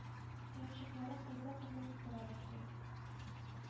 Төенчекләрем үрле-кырлы сикерә башлый.